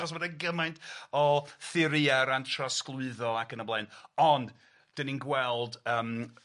Achos bod e gymaint o theoria o ran trawsglwyddo ac yn y blaen, ond 'dan ni'n gweld yym